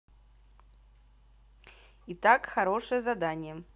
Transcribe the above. итак хорошее задание